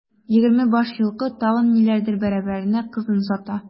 Егерме баш елкы, тагын ниләрдер бәрабәренә кызын сата.